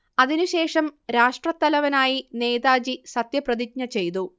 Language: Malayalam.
അതിനുശേഷം രാഷ്ട്രത്തലവനായി നേതാജി സത്യപ്രതിജ്ഞ ചെയ്തു